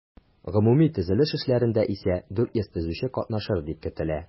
Гомуми төзелеш эшләрендә исә 400 төзүче катнашыр дип көтелә.